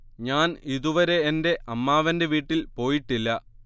ഞാൻ ഇതുവരെ എന്റെ അമ്മാവന്റെ വീട്ടിൽ പോയിട്ടില്ല